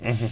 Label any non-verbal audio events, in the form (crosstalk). (hesitation) (hesitation)